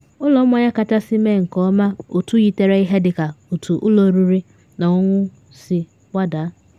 Ụlọ mmanya kachasị mee nke ọma otu yitere ihe dị ka otu ụlọ oriri na ọṅụṅụ si gbadaa.